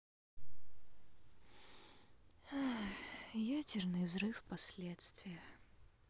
ядерный взрыв последствия